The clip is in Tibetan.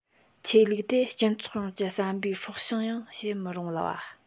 ཆོས ལུགས དེ སྤྱི ཚོགས ཡོངས ཀྱི བསམ པའི སྲོག ཤིང ཡང བྱེད མི རུང བ